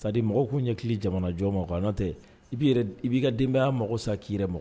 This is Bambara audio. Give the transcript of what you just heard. Sadi mɔgɔ tunu ɲɛ kili jamanajɔ ma nka nɔ tɛ i i b'i ka denbayaya mɔgɔ sa k' ii yɛrɛ ma